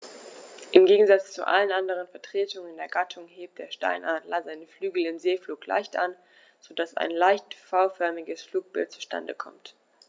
Im Gegensatz zu allen anderen Vertretern der Gattung hebt der Steinadler seine Flügel im Segelflug leicht an, so dass ein leicht V-förmiges Flugbild zustande kommt.